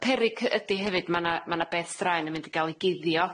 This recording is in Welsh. Y peryg yy ydi hefyd ma' na ma' na beth straen yn mynd i ga'l i guddio.